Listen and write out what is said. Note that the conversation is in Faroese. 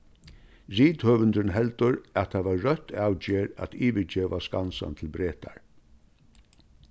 rithøvundurin heldur at tað var røtt avgerð at yvirgeva skansan til bretar